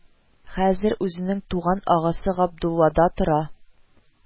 Хәзер үзенең туган агасы Габдуллада тора